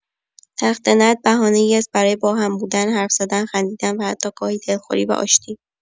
تخته‌نرد بهانه‌ای است برای با هم بودن، حرف‌زدن، خندیدن و حتی گاهی دلخوری و آشتی.